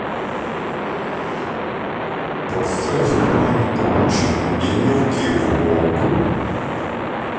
поставь иван кучин одинокий волк